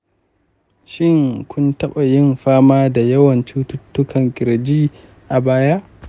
shin kun taɓa yin fama da yawan cututtukan ƙirji a baya?